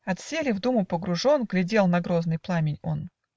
Отселе, в думу погружен, Глядел на грозный пламень он.